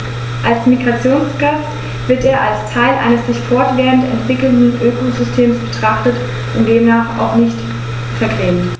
Als Migrationsgast wird er als Teil eines sich fortwährend entwickelnden Ökosystems betrachtet und demnach auch nicht vergrämt.